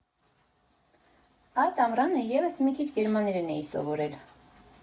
Այդ ամռանը ևս մի քիչ գերմաներեն էի սովորել։